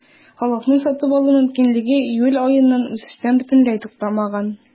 Халыкның сатып алу мөмкинлеге июль аеннан үсештән бөтенләй туктаган.